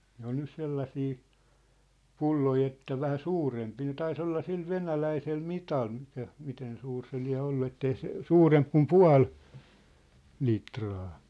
ne on nyt sellaisia pulloja että vähän suurempia ne taisi olla sillä venäläisellä mitalla mikä miten suuri se lie ollut että ei se suurempi kuin puoli litraa